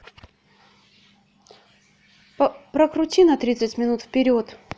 прокрути на тридцать минут вперед